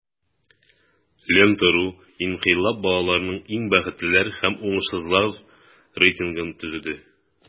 "лента.ру" инкыйлаб балаларының иң бәхетлеләр һәм уңышсызлар рейтингын төзеде.